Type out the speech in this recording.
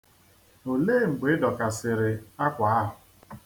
Olee mgbe i dọkasịrị akwa ahụ?